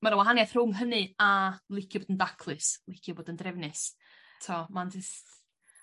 Ma'r wahaniaeth rhwng hynny a licio bod yn daclus licio bod yn drefnus t'o' ma'n jest...